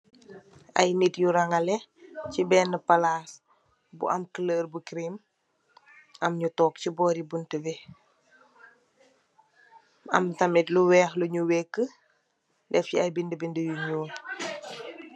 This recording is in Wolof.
Ay nit ñu rangalee, si bennë palaas, am ñu toog si borrow bunta bi, am tam lu weex lu ñu weekë, def ay binda binda you ñuul.